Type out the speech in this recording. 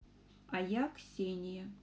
а я ксения